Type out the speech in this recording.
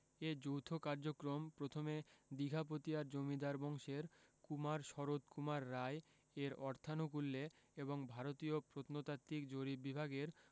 এ যৌথ কার্যক্রম প্রথমে দিঘাপতিয়ার জমিদার বংশের কুমার শরৎ কুমার রায় এর অর্থানুকূল্যে এবং ভারতীয় প্রত্নতাত্ত্বিক জরিপ বিভাগের